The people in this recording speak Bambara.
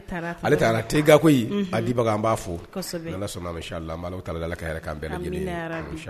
Ale taara gakɔ a an b'a fo ala sɔnna